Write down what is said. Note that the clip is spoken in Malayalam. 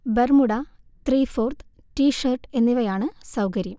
ബർമുഡ, ത്രീഫോർത്ത്, ടീ ഷർട്ട് എന്നിവയാണ് സൗകര്യം